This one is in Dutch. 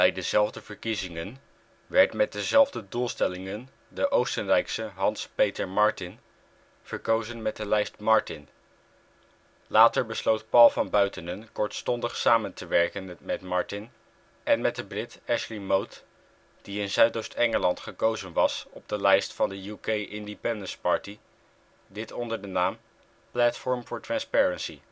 dezelfde verkiezingen werd met dezelfde doelstellingen de Oostenrijkse Hans-Peter Martin verkozen met de lijst MARTIN. Later besloot Paul van Buitenen kortstondig samen te werken met Martin en met de Brit Ashley Mote, die in Zuid-Oost Engeland gekozen was op de lijst van UKIP; dit onder de naam Platform for Transparency